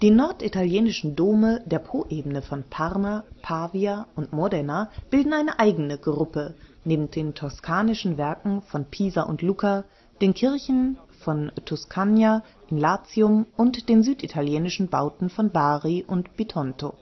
norditalienischen Dome der Poebene von Parma, Pavia und Modena bilden eine eigene Gruppe neben den toskanischen Werken von Pisa und Lucca, den Kirchen von Tuscania in Latium und den süditalienischen Bauten von Bari und Bitonto